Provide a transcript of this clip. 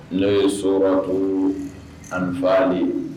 N'o ye sɔrɔ ko anifali